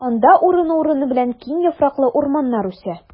Анда урыны-урыны белән киң яфраклы урманнар үсә.